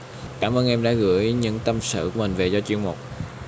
cảm ơn em đã gửi những tâm sự của mình về cho chuyên mục